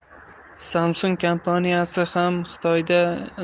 samsung kompaniyasi ham xitoyda